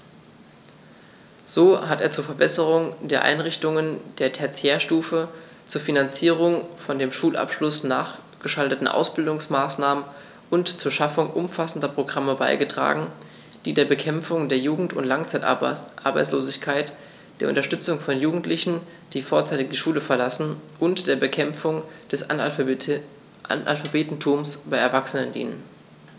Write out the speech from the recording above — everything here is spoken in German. So hat er zur Verbesserung der Einrichtungen der Tertiärstufe, zur Finanzierung von dem Schulabschluß nachgeschalteten Ausbildungsmaßnahmen und zur Schaffung umfassender Programme beigetragen, die der Bekämpfung der Jugend- und Langzeitarbeitslosigkeit, der Unterstützung von Jugendlichen, die vorzeitig die Schule verlassen, und der Bekämpfung des Analphabetentums bei Erwachsenen dienen.